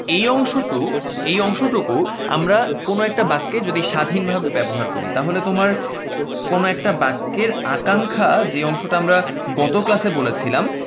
এই অংশটুকু এই অংশটুকু আমরা কোন একটা বাক্যে যদি স্বাধীন ভাবে ব্যবহার করি তাহলে তোমার কোন একটা বাক্যের আকাঙ্ক্ষা যে অংশটা আমরা গত ক্লাসে বলেছিলাম